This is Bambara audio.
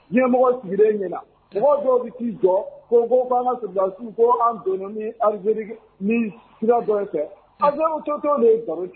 Ni mɔgɔ sigilen ɲɛna mɔgɔw dɔw bɛ'i jɔ ko kosiw ko an donna ni anziri ni dɔ fɛ to de gati